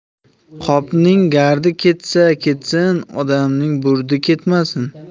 qopning gardi ketsa ketsin odamning burdi ketmasin